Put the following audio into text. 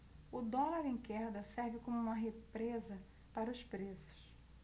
o dólar em queda serve como uma represa para os preços